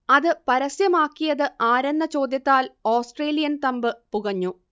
അത് പരസ്യമാക്കിയത് ആരെന്ന ചോദ്യത്താൽ ഓസ്ട്രേലിയൻ തമ്പ് പുകഞ്ഞു